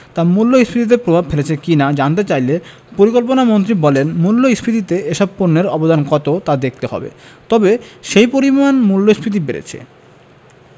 তা মূল্যস্ফীতিতে প্রভাব ফেলছে কি না জানতে চাইলে পরিকল্পনামন্ত্রী বলেন মূল্যস্ফীতিতে এসব পণ্যের অবদান কত তা দেখতে হবে তবে সেই পরিমাণ মূল্যস্ফীতি বেড়েছে